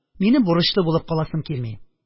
Минем бурычлы булып каласым килми.